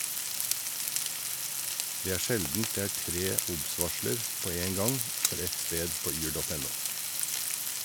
Det er sjeldent det er tre obs-varsler på én gang for ett sted på yr.no.